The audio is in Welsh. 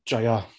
Joio.